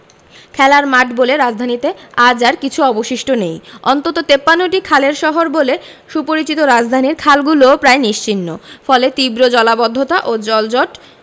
খেলার মাঠ বলে রাজধানীতে আজ আর কিছু অবশিষ্ট নেই অন্তত ৫৩টি খালের শহর বলে সুপরিচিত রাজধানীর খালগুলোও প্রায় নিশ্চিহ্ন ফলে তীব্র জলাবদ্ধতা ও জলজট